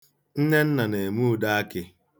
Nnenna na-eme udeakị.